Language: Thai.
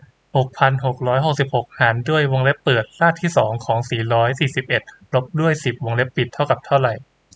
หกพันหกร้อยหกสิบหกหารด้วยวงเล็บเปิดรากที่สองของสี่ร้อยสี่สิบเอ็ดลบด้วยสิบวงเล็บปิดเท่ากับเท่าไหร่